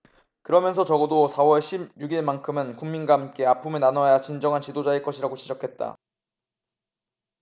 그러면서 적어도 사 월 십 육 일만큼은 국민과 함께 아픔을 나눠야 진정한 지도자일 것이라고 지적했다